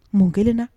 Mun kelen na?